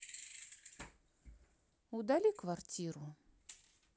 удали квартиру